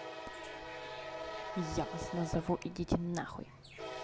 я вас назову идите нахуй